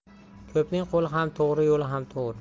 ko'pning qo'li ham to'g'ri yo'li ham to'g'ri